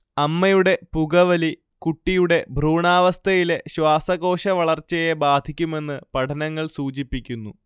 അമ്മയുടെ പുകവലി കുട്ടിയുടെ ഭ്രൂണാവസ്ഥയിലെ ശ്വാസകോശവളർച്ചയെ ബാധിക്കുമെന്ന് പഠനങ്ങൾ സൂചിപ്പിക്കുന്നു